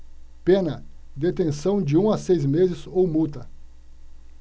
pena detenção de um a seis meses ou multa